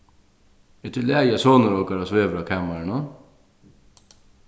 er tað í lagi at sonur okkara svevur á kamarinum